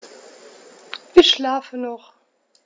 Ich schlafe noch.